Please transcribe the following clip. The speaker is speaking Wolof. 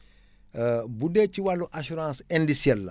bu deee ci wàllu assurance indicelle la